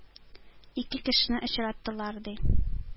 Ике кешене очраттылар, ди.